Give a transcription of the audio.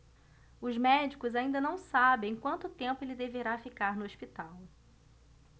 os médicos ainda não sabem quanto tempo ele deverá ficar no hospital